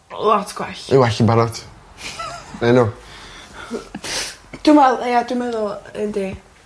Lot gwell. Mae o well yn barot. Na un n'w. Dwi me'wl ia dwi meddwl yndi.